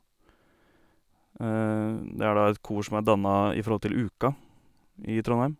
Det er da et kor som er danna i forhold til UKA i Trondheim.